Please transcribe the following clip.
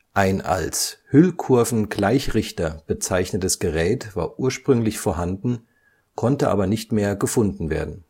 Ein als Hüllkurvengleichrichter bezeichnetes Gerät war ursprünglich vorhanden, konnte aber nicht mehr gefunden werden